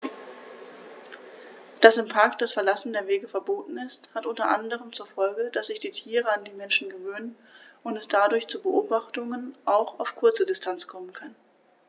Dass im Park das Verlassen der Wege verboten ist, hat unter anderem zur Folge, dass sich die Tiere an die Menschen gewöhnen und es dadurch zu Beobachtungen auch auf kurze Distanz kommen kann.